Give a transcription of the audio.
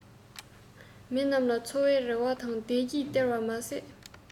མི རྣམས ལ འཚོ བའི རེ བ དང བདེ སྐྱིད སྟེར བར མ ཟད